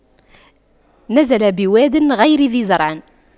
نزل بواد غير ذي زرع